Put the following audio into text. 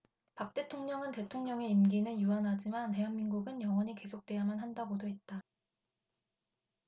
박 대통령은 대통령의 임기는 유한하지만 대한민국은 영원히 계속돼야만 한다고도 했다